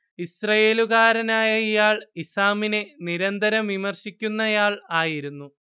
ഇസ്രയേലുകാരനായ ഇയാൾ ഇസാമിനെ നിരന്തരം വിമർശിക്കുന്നയാൾ ആയിരുന്നു